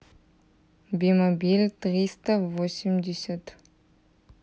бимобиль триста восемьдесят